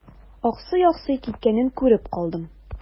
Аксый-аксый киткәнен күреп калдым.